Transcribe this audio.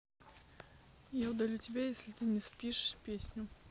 я удалю тебя если ты не спишь песню